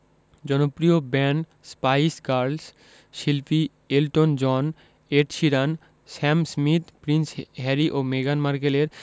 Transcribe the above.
জনপ্রিয় band Spice Girls শিল্পী Elton John Ed Sheeran Sam Smith Prince Harry ও মেগান মার্কেলের